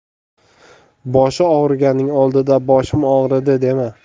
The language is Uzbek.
boshi og'riganning oldida boshim og'ridi dema